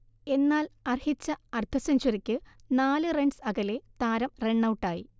എന്നാൽ അർഹിച്ച അർധസെഞ്ച്വറിക്ക് നാല് റൺസ് അകലെ താരം റണ്ണൗട്ടായി